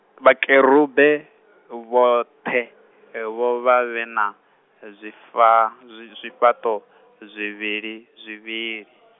Vhakerube vhoṱhe vho vha vhena zwifha zwi zwifhaṱo, zwivhilizwivhili.